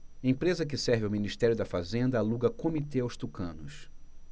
empresa que serve ao ministério da fazenda aluga comitê aos tucanos